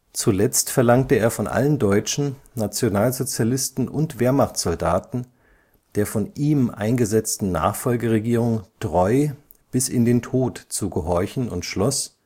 Zuletzt verlangte er von allen Deutschen, Nationalsozialisten und Wehrmachtssoldaten, der von ihm eingesetzten Nachfolgeregierung „ treu … bis in den Tod “zu gehorchen, und schloss